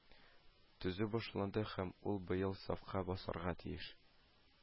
Төзү башланды һәм ул быел сафка басарга тиеш